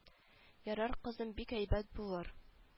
Ярар кызым бик әйбәт булыр